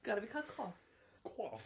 Gad i fi cael cough. Cough?